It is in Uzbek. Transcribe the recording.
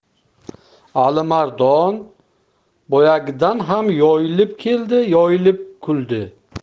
alimardon boyagidan ham yoyilib keldi yoyilib kuldi